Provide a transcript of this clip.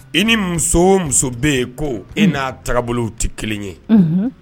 I ni muso muso bɛ yen ko e n'a taabolow tɛ kelen ye